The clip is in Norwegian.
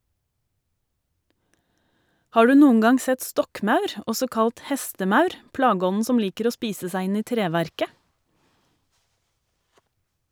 Har du noen gang sett stokkmaur, også kalt hestemaur, plageånden som liker å spise seg inn i treverket?